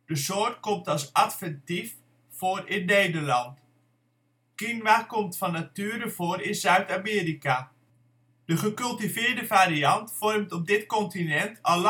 soort komt als adventief voor in Nederland. Quinoa (uitspraak kien-wah) komt van nature voor in Zuid-Amerika. De gecultiveerde variant vormt op dit continent al